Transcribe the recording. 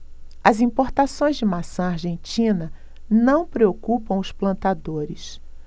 as importações de maçã argentina não preocupam os plantadores